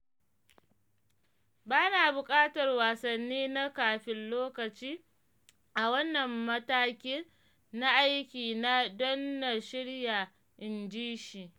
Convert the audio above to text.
“Ba na bukatar wasanni na kafin lokaci a wannan matakin na aikina don na shirya,” inji shi.